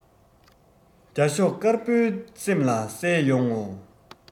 རྒྱ ཤོག དཀར པོའི སེམས ལ གསལ ཡོང ངོ